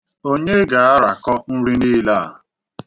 Onye ga-arakọ nri niile a?